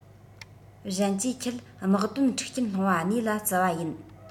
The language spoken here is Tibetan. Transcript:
གཞན གྱིས ཁྱེད དམག དོན འཁྲུག རྐྱེན སློང བ གནས ལ བརྩི བ ཡིན